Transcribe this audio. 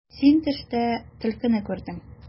Син төштә төлкене күрдең.